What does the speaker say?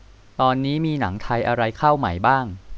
ตอนนี้มีหนังไทยอะไรเข้าใหม่บ้าง